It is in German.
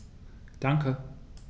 Danke.